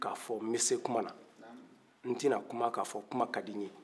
ka fɔ ko n be se kuma na n ti na kuma ka fɔ ko kuma kadi ɲe